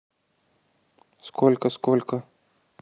сколько сколько